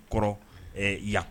Kɔrɔ ɛɛ yan